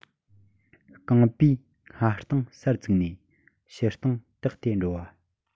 རྐང པའི སྔ རྟིང སར བཙུགས ནས ཕྱི རྟིང བཏེག སྟེ འགྲོ བ